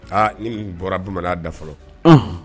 Aa ni bɔra bamanan dafa fɔlɔ